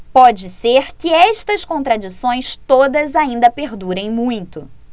pode ser que estas contradições todas ainda perdurem muito